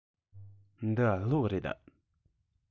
འདི གློག རེད